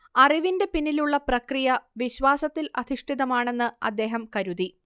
അറിവിന്റെ പിന്നിലുള്ള പ്രക്രിയ, വിശ്വാസത്തിൽ അധിഷ്ഠിതമാണെന്ന് അദ്ദേഹം കരുതി